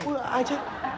úi giồi ai chết